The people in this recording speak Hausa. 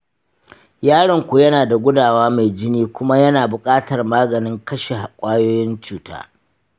yaronku yana da gudawa mai jini kuma yana buƙatar maganin kashe ƙwayoyin cuta.